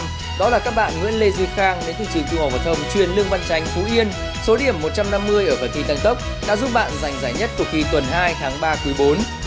đó là các bạn nguyễn lê duy khang đến từ trường trung học phổ thông chuyên lương văn chánh phú yên số điểm một trăm năm mươi ở phần thi tăng tốc đã giúp bạn giành giải nhất cuộc thi tuần hai tháng ba quý bốn